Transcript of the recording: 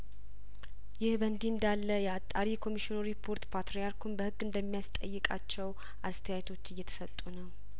ይህ በእንዲህ እንዳለ የአጣሪ ኮሚሽኑ ሪፖርት ፓትርያርኩን በህግ እንደሚያስጠይቃቸው አስተያየቶች እየተሰጡ ነው